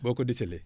boo ko déceller